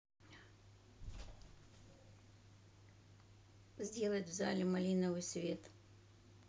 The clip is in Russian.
сделать в зале малиновый свет